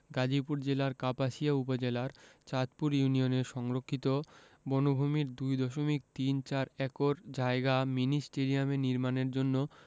গাজীপুর জেলার কাপাসিয়া উপজেলার চাঁদপুর ইউনিয়নের সংরক্ষিত বনভূমির ২ দশমিক তিন চার একর জায়গা মিনি স্টেডিয়াম নির্মাণের জন্য